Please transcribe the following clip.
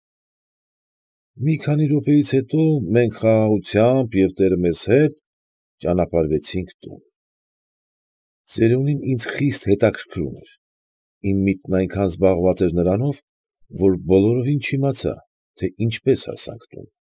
Մի քանի րոպեից հետո մենք խաղաղուտյամբ և տերը մեզ հետ ճանապարհվեցինք տուն։ Ծերունին ինձ խիստ հետաքրքրում էր իմ միտքն այնաքան զբաղված էր նրանով որ բոլորովին չիմացա թե ինչպես հասանք տուն։